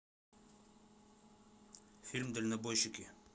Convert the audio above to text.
фильм дальнобойщики